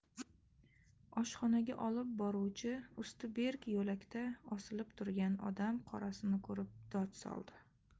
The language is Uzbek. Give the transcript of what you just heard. oshxonaga olib boruvchi usti berk yo'lakda osilib turgan odam qorasini ko'rib dod soldi